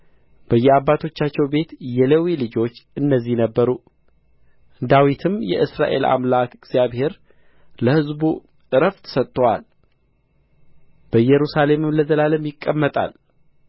በየአባቶቻቸው ቤት የሌዊ ልጆች እነዚህ ነበሩ ዳዊትም የእስራኤል አምላክ እግዚአብሔር ለሕዝቡ ዕረፍት ሰጥቶአል በኢየሩሳሌምም ለዘላለም የቀመጣል